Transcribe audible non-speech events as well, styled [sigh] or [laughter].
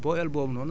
[hesitation] [hesitation]